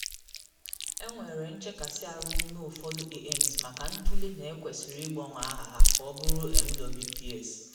Enwere nchekasị ahụ n’ime ụfọdụ AMs maka ntụle na ekwesịrị ịgbanwe aha ha ka ọ bụrụ MWPs (Member of the Welsh Parliament).